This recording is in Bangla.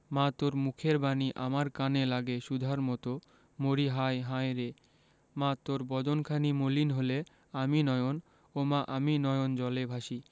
মা তোর মুখের বাণী আমার কানে লাগে সুধার মতো মরিহায় হায়রে মা তোর বদন খানি মলিন হলে আমি নয়ন ওমা আমি নয়ন জলে ভাসি